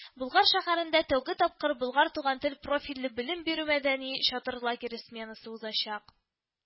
Болгар шәһәрендә тәүге тапкыр “Болгар – Туган тел” профильле белем бирү-мәдәни чатыр лагере сменасы узачак